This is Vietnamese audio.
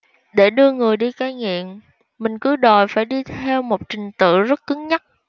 để đưa người đi cai nghiện mình cứ đòi phải đi theo một trình tự rất cứng nhắc